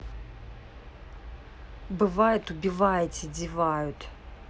бывает убиваете девают